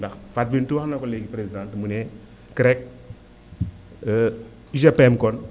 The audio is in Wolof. ndax Fatou Binetou wax na ko léegi présidente mu ne CREC UGPM kon